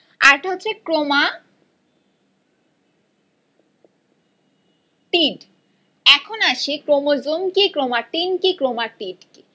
আরেকটা হচ্ছে ক্রোমাটিড এখন আসি ক্রোমোজোম কি ক্রোমাটিন কি ক্রোমাটিড কি